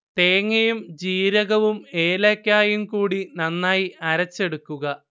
തേങ്ങയും ജീരകവും ഏലയ്ക്കായും കൂടി നന്നായി അരച്ചെടുക്കുക